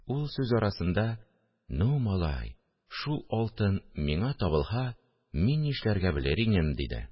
Л сүз арасында: – ну, малай, шул алтын миңа табылһа, мин ни эшләргә белер инем! – диде